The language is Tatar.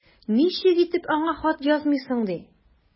Ничек итеп аңа хат язмыйсың ди!